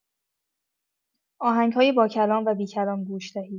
آهنگ‌های باکلام و بی‌کلام گوش دهید.